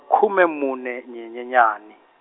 khume mune Nyenyenyani.